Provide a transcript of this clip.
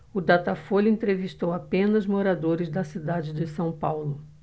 o datafolha entrevistou apenas moradores da cidade de são paulo